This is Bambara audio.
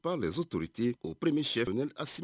K'a lɛzotourte oome sɛs